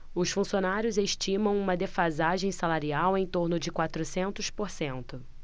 os funcionários estimam uma defasagem salarial em torno de quatrocentos por cento